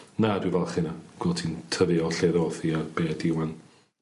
na dwi fach hynna gweld hi'n tyfu o lle ddoth hi a ble ydi ŵan.